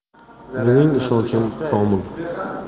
mening ishonchim komil